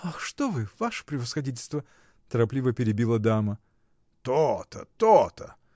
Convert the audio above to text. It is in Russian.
— Ах, что вы, ваше превосходительство! — торопливо перебила дама. — То-то, то-то!